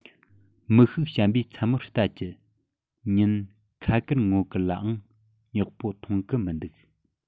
མིག ཤུགས ཞན པས མཚན མོར ལྟ ཅི ཉིན ཁ དཀར ངོ དཀར ལའང ཡག པོ མཐོང གི མི འདུག